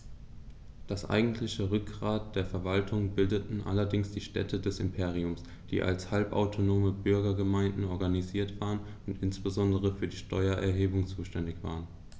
Das eigentliche Rückgrat der Verwaltung bildeten allerdings die Städte des Imperiums, die als halbautonome Bürgergemeinden organisiert waren und insbesondere für die Steuererhebung zuständig waren.